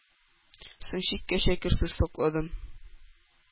Соң чиккәчә керсез сакладым.